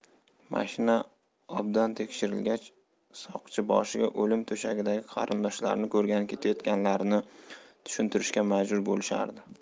mashina obdan tekshirilgach soqchiboshiga o'lim to'shagidagi qarindoshlarini ko'rgani ketayotganlarini tushuntirishga majbur bo'lishardi